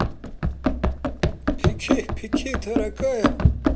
беги беги дорогая